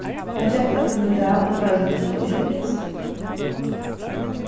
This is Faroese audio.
ein genta finnur útav at foreldrini skulu skiljast